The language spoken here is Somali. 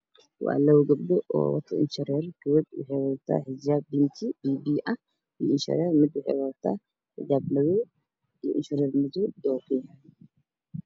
Waa laba gebdho oo wato inshareer mid wexey wadataa xijab gariye oo biya biyo eh indha shareer iyo xijab madow iyo nisharwr madow iyo okiyaal